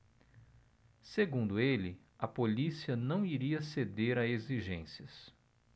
segundo ele a polícia não iria ceder a exigências